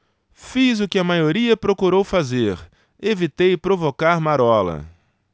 fiz o que a maioria procurou fazer evitei provocar marola